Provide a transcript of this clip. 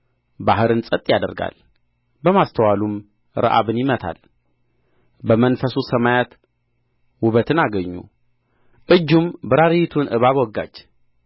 ባሕርን ጸጥ ያደርጋል በማስተዋሉም ረዓብን ይመታል በመንፈሱ ሰማያት ውበትን አገኙ እጁም በራሪይቱን እባብ ወጋች